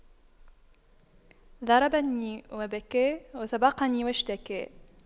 ضربني وبكى وسبقني واشتكى